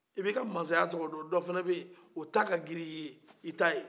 i bɛ i ka masaya cogo don dɔ fana bɛ ye o ta ka giri i ye i ta ye